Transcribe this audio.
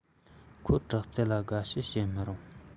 ཁོ དྲག རྩལ ལ དགའ ཞེས བཤད མི རུང